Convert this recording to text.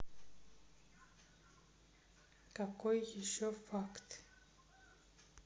какой еще факт